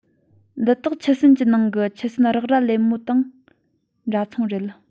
འདི དག ཆུ སྲིན གྱི ཁའི ནང གི ཆུ སྲིན རེག རྭ ལེབ མོ དང འདྲ མཚུངས རེད